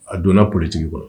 A donna politigi kɔnɔ